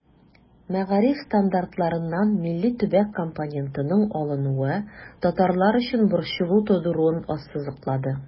Мәгариф стандартларыннан милли-төбәк компонентының алынуы татарлар өчен борчылу тудыруын ассызыклады.